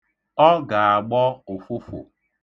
Ọ na-agbọ ụfụfụ nke ọma.